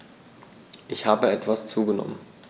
Ich habe etwas zugenommen